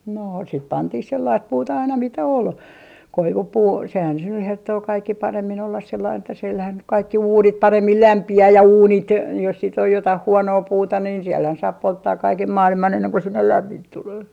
noo sitten pantiin sellaista puuta aina mitä oli koivupuu sehän se nyt herttoo kaikkein paremmin olla sellainen että sillähän nyt kaikki uunit paremmin lämpiää ja uunit jos sitten on jotakin huonoa puuta niin siellähän saa polttaa kaiken maailman ennen kuin sinne lämmintä tulee